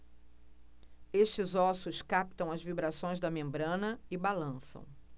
estes ossos captam as vibrações da membrana e balançam